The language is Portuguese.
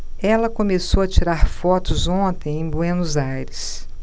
ela começou a tirar fotos ontem em buenos aires